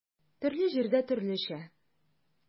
Төрле җирдә төрлечә.